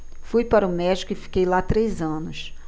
fui para o méxico e fiquei lá três anos